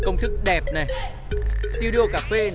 công thức đẹp này sờ tiu đi ô cà phê